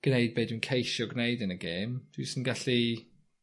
gneud be dwi'n ceisio gwneud yn y gêm dwi jys yn gallu